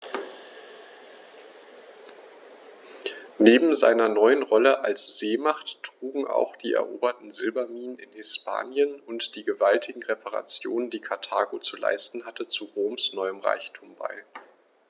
Neben seiner neuen Rolle als Seemacht trugen auch die eroberten Silberminen in Hispanien und die gewaltigen Reparationen, die Karthago zu leisten hatte, zu Roms neuem Reichtum bei.